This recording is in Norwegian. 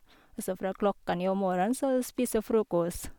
Og så fra klokka ni om morgenen så spise frokost.